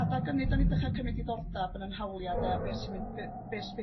adag 'ynny 'da ni'n dechra' cym'yd diddordab yn ein hawlia' de a be sy'n mynd be be di'n